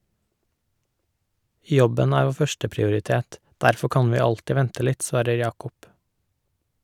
Jobben er vår første prioritet; derfor kan vi alltid vente litt, svarer Yaqub.